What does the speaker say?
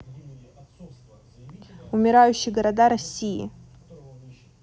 умирающие города россии